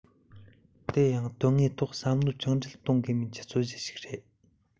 དེ ཡང དོན དངོས ཐོག བསམ བློ བཅིངས འགྲོལ གཏོང དགོས མིན གྱི རྩོད གླེང ཞིག རེད